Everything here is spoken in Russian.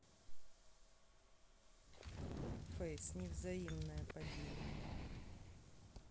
face невзаимное падение